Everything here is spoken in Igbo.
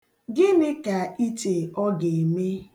Gịnị ka iche ọ ga-eme?